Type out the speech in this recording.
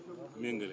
méngale